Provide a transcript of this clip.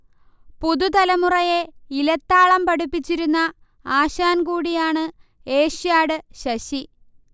പുതുതലമുറയെ ഇലത്താളം പഠിപ്പിച്ചിരുന്ന ആശാൻ കൂടിയാണ് ഏഷ്യാഡ് ശശി